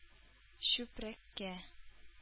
Чүпрәккә